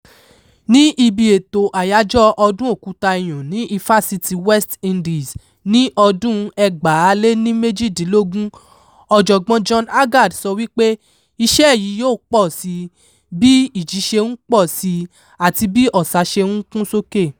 Ní ibi ètò Àyájọ́ Ọdún Òkúta iyùn ní Ifásitì West Indies ní ọdún-un 2018, Ọ̀jọ̀gbọ́n John Agard sọ wípé iṣẹ́ yìí yóò pọ̀ sí i bí ìjì ṣe ń pọ̀ sí i àti bí ọ̀sà ṣe ń kún sókè.